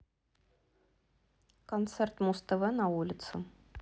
концерт муз тв на улице